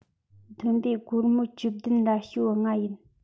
བསྡོམས པས སྒོར མོ བཅུ བདུན ར ཞོ ལྔ ཡིན